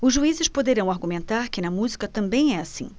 os juízes poderão argumentar que na música também é assim